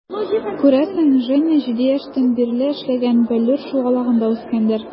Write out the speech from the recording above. Күрәсең, Женя 7 яшьтән бирле эшләгән "Бәллүр" шугалагында үскәндер.